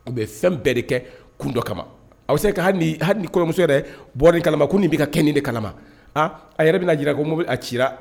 O bɛ fɛn bɛɛ de kɛ kun dɔ kama a bɛ se ka ha ni kɔrɔmuso bɔ kalama ko nin bɛ ka kɛi de kalama aa a yɛrɛ bɛna jira ko a ci